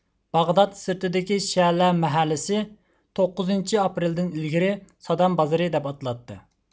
باغداد سىرتىدىكى شىئەلەر مەھەللىسى توققۇزىنچى ئاپرېلدىن ئىلگىرى سادام بازىرى دەپ ئاتىلاتتى